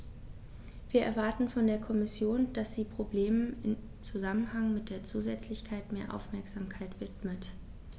Wir erwarten von der Kommission, dass sie Problemen im Zusammenhang mit der Zusätzlichkeit mehr Aufmerksamkeit widmet.